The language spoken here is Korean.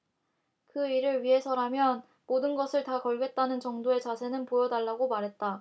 그 일을 위해서라면 모든 것을 다 걸겠다는 정도의 자세는 보여달라고 말했다